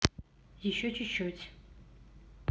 еще чуть чуть